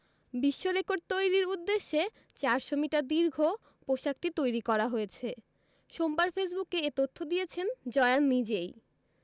বিশ্বরেকর্ড তৈরির উদ্দেশ্যে ৪০০ মিটার দীর্ঘ পোশাকটি তৈরি করা হয়েছে সোমবার ফেসবুকে এ তথ্য দিয়েছেন জয়া নিজেই